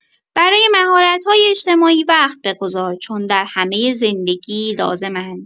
برای مهارت‌های اجتماعی وقت بگذار چون در همه زندگی لازم‌اند.